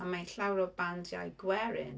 Mae llawer o bandiau gwerin.